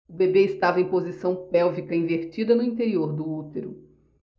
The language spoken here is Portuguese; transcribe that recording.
o bebê estava em posição pélvica invertida no interior do útero